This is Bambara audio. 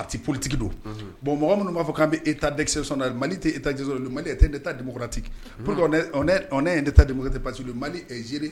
bɔn mɔgɔ minnu b'a fɔ k'an bɛ eta dɛksɛpsiyɔn na mali tɛ eta dɛksɛpsiyɔn na le Mali ɛtɛn eta demokraktik purkoi ɔnɛ ɛn neta demokratik pas ke le Mali ɛ